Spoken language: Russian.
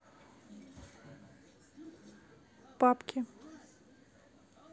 папки